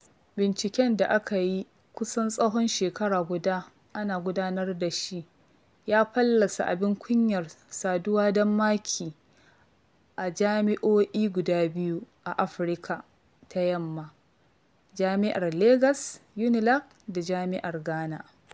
Binciken da aka yi kusan tsawon shekara guda ana gudanar da shi ya fallasa abin kunyar "saduwa don maki" a jami'o'i guda biyu a Afirka ta Yamma: Jami'ar Legas (UNILAG) da Jami'ar Gana.